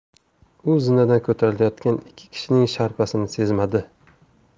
u zinadan ko'tarilayotgan ikki kishining sharpasini sezmadi